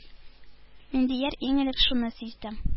Миндияр иң элек шуны сизде: